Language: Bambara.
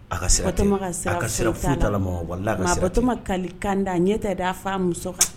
Atoma ka kan a ɲɛta d' a fa a muso